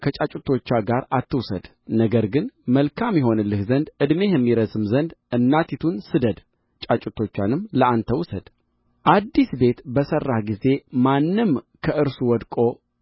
ከጫጩቶዋ ጋር አትውሰድ ነገር ግን መልካም ይሆንልህ ዘንድ ዕድሜህም ይረዝም ዘንድ እናቲቱን ስደድ ጫጩቶችንም ለአንተ ውሰድ አዲስ ቤት በሠራህ ጊዜ ማንም ከእርሱ ወድቆ